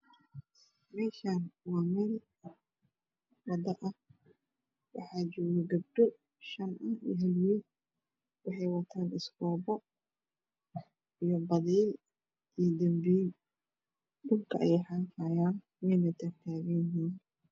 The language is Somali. Meeshaan waa meel wado ah waxaa joogo gabdho shan iyo wiil waxay wataan iskoobo iyo budaal, danbiil. Dhulka ayay xaaqahayaan wayna taag taagan yihiin.